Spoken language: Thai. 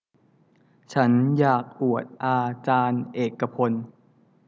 ฉันอยากอวดอาจารย์เอกพล